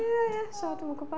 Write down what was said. Ia, ia so dwi'm yn gwybod.